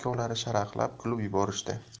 sharaqlab kulib yuborishdi